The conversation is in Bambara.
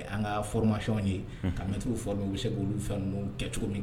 An ka fmayɔn ye ka mɛtigiw fɔ min u bɛ se k'olu fɛn kɛ cogo min